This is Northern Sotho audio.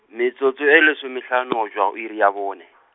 metsotso e lesomehlano go tšwa, go iri ya bone .